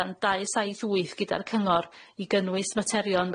adran dau saith wyth gyda'r cyngor i gynnwys materion